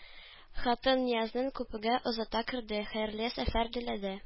Хатын Ниязны купега озата керде, хәерле сәфәр теләде